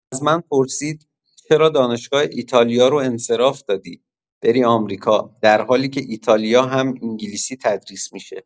از من پرسید چرا دانشگاه ایتالیا رو انصراف دادی بری آمریکا در حالی که ایتالیا هم انگلیسی تدریس می‌شه.